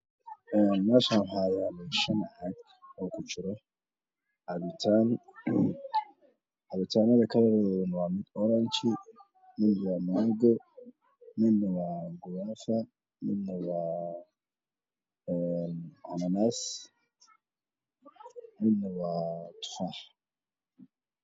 Meeshan waxaa yaalo shan caag oo ay kujiraan cabitaano cabitanada kalarkoodu waa oronge mid waa mango guafa midna cananaas midna waa tufaax